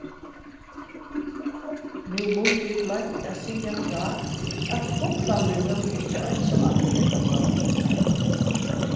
nú mundi eg gloymt at siga frá at fuglarnir vóru ikki einsamallir hetta kvøldið